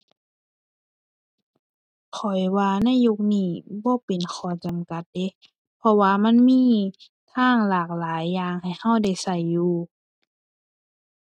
ข้อยว่าในยุคนี้บ่เป็นข้อจำกัดเดะ เพราะว่ามันมีทางหลากหลายอย่างให้เราได้เราอยู่